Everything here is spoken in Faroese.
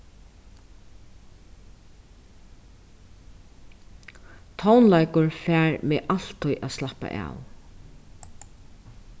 tónleikur fær meg altíð at slappa av